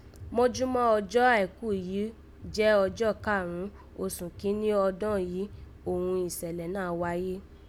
Mójúmá ọjọ́ Àìkú yìí jẹ́ ọjọ́ karùn ún oṣùn kíní ọdọ́n yìí òghun ìsẹ̀lẹ̀ náà wáyé